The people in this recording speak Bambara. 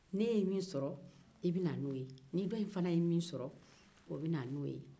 n'e ye min sɔrɔ i bɛ na n'o ye ni dɔ in fana min sɔrɔ o bɛ na n'o ye